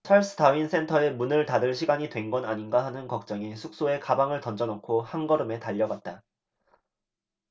찰스 다윈 센터의 문을 닫을 시간이 된 건 아닌가 하는 걱정에 숙소에 가방을 던져넣고 한걸음에 달려갔다